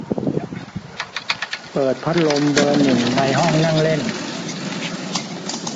เปิดพัดลมเบอร์หนึ่งในห้องนั่งเล่น